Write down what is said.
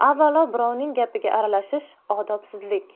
avvalo birovning gapiga aralashish odobsizlik